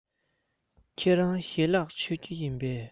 ཁྱེད རང ཞལ ལག མཆོད རྒྱུ བཟའ རྒྱུ ཡིན པས